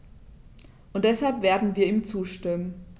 Und deshalb werden wir ihm zustimmen.